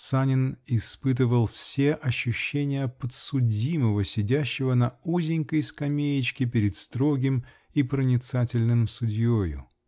Санин испытывал все ощущения подсудимого, сидящего на узенькой скамеечке перед строгим и проницательным судьею.